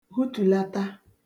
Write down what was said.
hutùlata